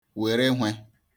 wère hwe